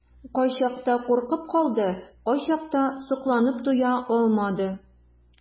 Кайчакта куркып калды, кайчакта сокланып туя алмады.